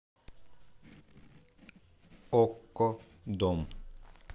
окко дом